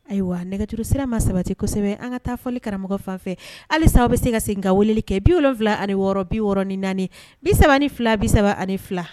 Ayiwa nɛgɛjuru sira ma saba kosɛbɛ an ka taa fɔli karamɔgɔ fanfɛ halisa aw bɛ se ka se ka wulili kɛ bi wolonwula ani wɔɔrɔ bi6ɔrɔn ni naani bi3 ni fila bi3 ani fila